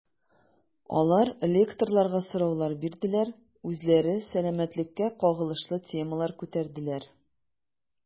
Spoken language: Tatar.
Алар лекторларга сораулар бирделәр, үзләре сәламәтлеккә кагылышлы темалар күтәрделәр.